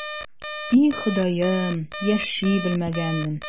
И, Ходаем, яши белмәгәнмен...